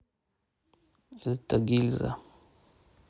это гильза